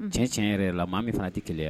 Cɛn tiɲɛ yɛrɛ la maa min fana a tɛ kɛlɛya